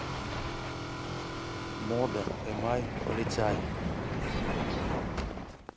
мода эмай полицай